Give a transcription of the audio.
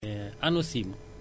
ANACIM